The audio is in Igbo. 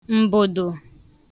m̀bụ̀dụ̀